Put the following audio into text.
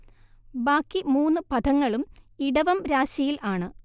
ബാക്കി മൂന്നു പഥങ്ങളും ഇടവം രാശിയിൽ ആണ്